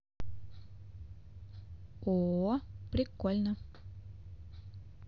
о прикольно